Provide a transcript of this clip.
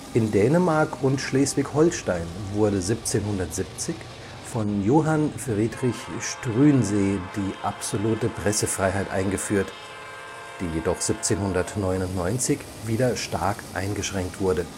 In Dänemark und Schleswig-Holstein wurde 1770 von Johann Friedrich Struensee die absolute Pressefreiheit eingeführt, die jedoch 1799 wieder stark eingeschränkt wurde